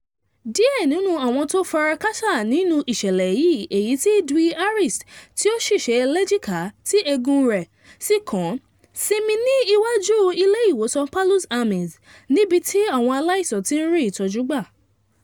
Díẹ̀ nínú àwọn tó fara káṣá nínú ìṣẹ̀lẹ̀ yìí, èyí tí Dwi Harris tí ó ṣìṣe léjìká ,tí egun ẹ̀yìn rẹ̀ sì kán sinmi ní iwájú ilé ìwòsàn Palu's Army, níbi tí àwọn aláìsàn ti ń rí ìtọ́jú gbà.